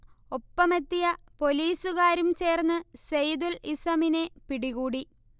ഒപ്പമെത്തിയ പൊലീസുകാരും ചേർന്ന് സെയ്തുൽ ഇസമിനെ പിടികൂടി